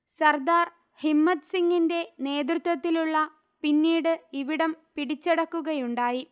സർദാർ ഹിമ്മത്ത് സിങ്ങിന്റെ നേതൃത്വത്തിലുള്ള പിന്നീട് ഇവിടം പിടിച്ചടക്കുകയുണ്ടായി